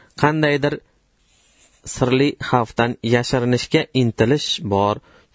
qandaydir sirli xavfdan yashirinishga intilish bor